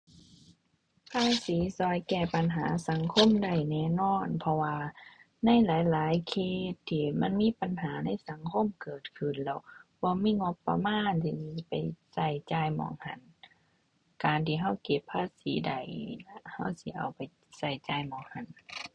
ภาษีช่วยแก้ปัญหาสังคมได้แน่นอน เพราะว่าในหลายหลายเคสที่มันมีปัญหาในสังคมเกิดขึ้น แล้วบ่มีงบประมาณที่มีไปช่วยจ่ายหม้องหั้น การที่ช่วยเก็บภาษีได้นี่ล่ะ ช่วยสิเอาไปช่วยจ่ายหม้องหั้น